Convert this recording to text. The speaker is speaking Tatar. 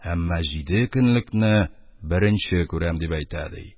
, әмма җиде көнлекне беренче күрәм, дип әйтә, ди.